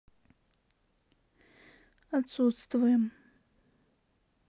отсутствуем